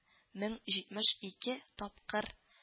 Мең җитмеш ике тапкыр